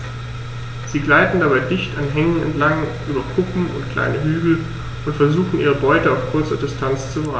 Sie gleiten dabei dicht an Hängen entlang, über Kuppen und kleine Hügel und versuchen ihre Beute auf kurze Distanz zu überraschen.